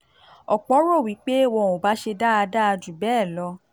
Ọ̀pọ̀ rò wí pé wọn ò bá ṣe dáadáa jù bẹ́ẹ̀ lọ.